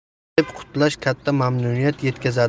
deb qutlash katta mamnuniyat yetkazadi